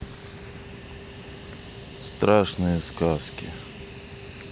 страшные сказки